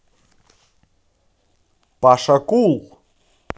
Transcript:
паша кул